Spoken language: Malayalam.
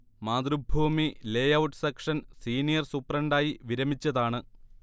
മാതൃഭൂമി ലേഔട്ട് സെക്ഷൻ സീനിയർ സൂപ്രണ്ടായി വിരമിച്ചതാണ്